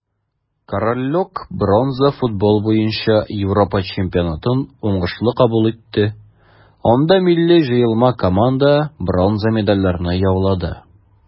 Корольлек бронза футбол буенча Европа чемпионатын уңышлы кабул итте, анда милли җыелма команда бронза медальләрне яулады.